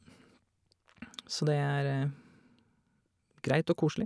Så det er greit og koselig.